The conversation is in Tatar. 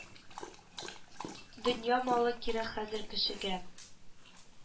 Дөнья малы кирәк хәзер кешегә